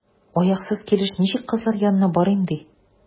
Аяксыз килеш ничек кызлар янына барыйм, ди?